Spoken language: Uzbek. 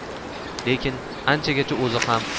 lekin anchagacha o'zi ham